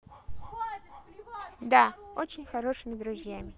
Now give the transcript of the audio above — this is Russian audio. да очень хорошими друзьями